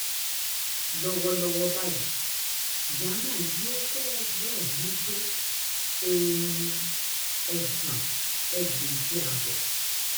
Lọ́wọ́ lọ́wọ́ báyìí, Myanmar yóò fẹ́rẹ̀ẹ́ ní tó erin ẹgàn 1,500.